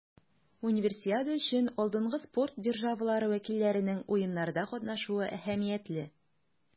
Универсиада өчен алдынгы спорт державалары вәкилләренең Уеннарда катнашуы әһәмиятле.